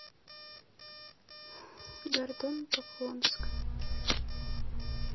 гордон поклонская